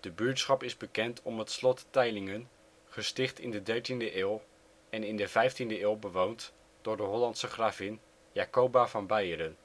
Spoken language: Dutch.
De buurtschap is bekend om het Slot Teylingen, gesticht in de 13e eeuw en in de 15de eeuw bewoond door de Hollandse gravin Jacoba van Beieren